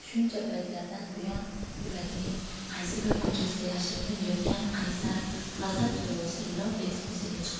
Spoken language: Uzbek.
shuncha paytlardan buyon yuragining qaysi bir ko'chasida yashirinib yotgan qaysar g'azab tuyg'usi lop etib yuzaga chiqdi